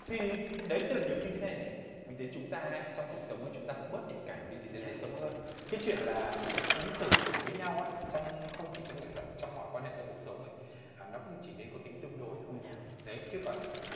thì đấy tức là nhiều khi như thế này này mình đến chúng ta trong cuộc sống của chúng ta cũng bớt nhạy cảm đi thì sẽ dễ sống hơn cái chuyện là ứng xử với nhau trong không chỉ trong nghệ thuật trong mọi quan hệ trong cuộc sống ấy à nó cũng chỉ nên có tính tương đối thôi đấy chứ còn